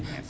merci